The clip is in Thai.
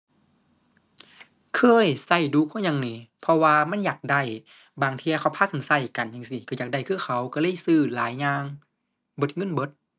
เคย ใช้ดู๋คือหยังนี่ เพราะว่ามันอยากได้ บางเที่ยเขาพากันใช้กันจั่งซี้ใช้อยากได้คือเขา ใช้เลยซื้อหลายอย่าง เบิดเงินเบิด